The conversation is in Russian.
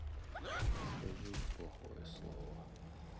скажи плохое слово